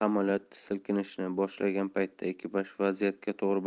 samolyot silkinishni boshlagan paytda ekipaj vaziyatga to'g'ri